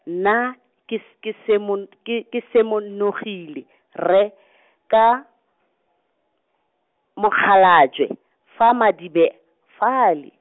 nna, ke S-, ke Semon- , ke ke Semon- nogile, rre , ka , Mokgalajwe, fa Madibe, fale.